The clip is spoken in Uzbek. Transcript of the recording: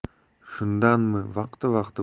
shundanmi vaqti vaqti